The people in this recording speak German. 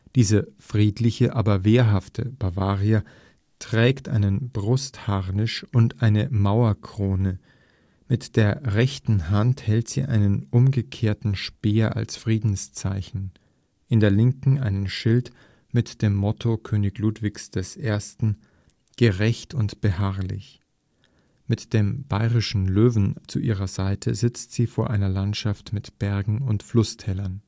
Diese friedliche aber wehrhafte Bavaria trägt einen Brustharnisch und eine Mauerkrone, mit der rechten Hand hält sie einen umgekehrten Speer als Friedenszeichen, in der Linken einen Schild mit dem Motto König Ludwigs I. „ Gerecht und beharrlich “. Mit dem Bayerischen Löwen zu ihrer Seite sitzt sie vor einer Landschaft mit Bergen und Flusstälern